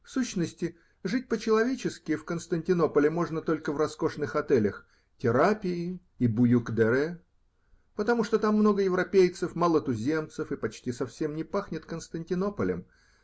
В сущности, жить по-человечески в Константинополе можно только в роскошных отелях Терапии и Буюк-Дере, потому что там много европейцев, мало туземцев и почти совсем не пахнет Константинополем.